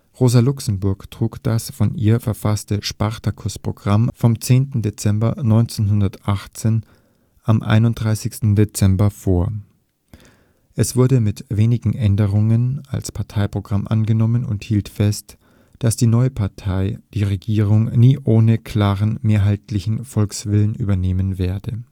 Rosa Luxemburg trug das von ihr verfasste Spartakusprogramm vom 10. Dezember 1918 am 31. Dezember vor. Es wurde mit wenigen Änderungen als Parteiprogramm angenommen und hielt fest, dass die neue Partei die Regierung nie ohne klaren mehrheitlichen Volkswillen übernehmen werde